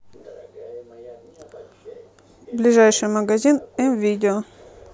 ближайший магазин м видео